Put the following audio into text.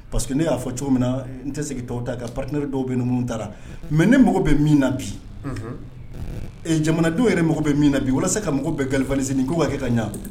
Parce que ne y'a fɔ cogo min na, n tɛ segin tɔw ta kan partenaires dɔw taala mais ne yɛrɛ mago bɛ min na bi , jamana den yɛrɛ mɔgɔ bɛ min na bi walasa ka mɔgow galvaniser nin ko ka kɛ ka ɲa